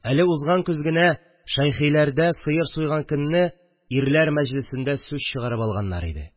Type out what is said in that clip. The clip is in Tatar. Әле узган көз генә Шәйхиләрдә сыер суйган көнне ирләр мәҗлесендә сүз чыгарып алганнар иде